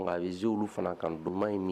Nka a bɛ zolu fana ka kan don in min